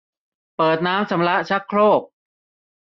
เปิดน้ำชำระชักโครก